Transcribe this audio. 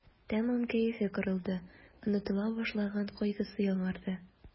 Тәмам кәефе кырылды, онытыла башлаган кайгысы яңарды.